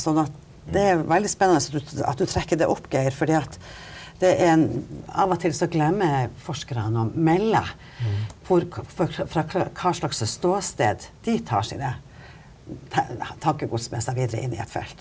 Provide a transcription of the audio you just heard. sånn at det er veldig spennende at du trekker det opp Geir fordi at det er en av og til så glemmer forskerne å melde hvor for fra hva slags ståsted de tar sine tankegods med seg videre inn i et felt.